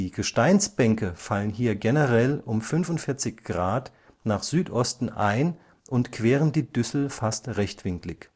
Gesteinsbänke fallen hier generell um 45° nach Südosten ein und queren die Düssel fast rechtwinklig